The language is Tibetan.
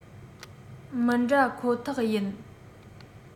མི འདྲ ཁོག ཐག ཡིན